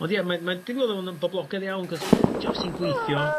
Ond ie mae ma' digwydd fod yn boblogedd iawn 'c'os t'wo' os ti'n gwithio